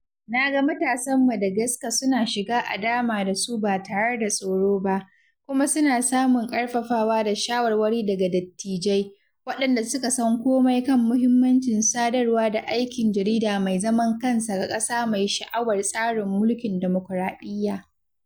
Na ga matasan Madagascar suna shiga a dama dasu ba tare da tsoro ba, kuma suna samun ƙarfafawa da shawarwari daga dattijai, waɗanda suka san komai kan mahimmancin sadarwa da aikin jarida mai zaman kansa ga ƙasa mai shawa'ar tsarin mulkin dimokuraɗiyya.